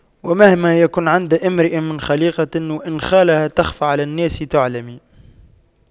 ومهما يكن عند امرئ من خَليقَةٍ وإن خالها تَخْفَى على الناس تُعْلَمِ